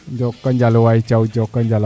joko njal waay Thiaw jokonjal a paax